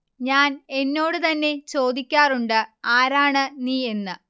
ഞാൻ എന്നോട് തന്നെ ചോദിക്കാറുണ്ട് ആരാണ് നീഎന്ന്